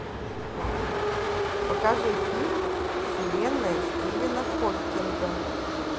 покажи фильм вселенная стивена хоккинга